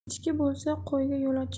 echki bo'lsa qo'yga yo'l ochilar